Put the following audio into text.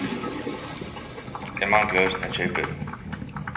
eg mangli eisini at keypa inn